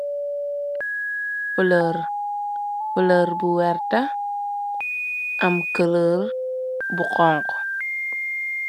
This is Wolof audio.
lërfelër bu werta, am këlër bu xonk.